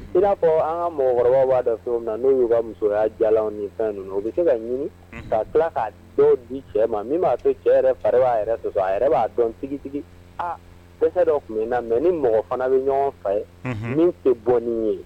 I'a fɔ an ka mɔgɔkɔrɔba waada so min na n'u y'u ka musoya ja ni fɛn ninnu o bɛ se ka ɲini ka tila k'a dɔ di cɛ ma min b'a to cɛ yɛrɛ fari b'a a yɛrɛ b'a dɔn sigitigi ko dɔ tun na mɛ ni mɔgɔ fana bɛ ɲɔgɔn fɛ min tɛ bɔ nin ye